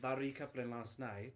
That recoupling last night.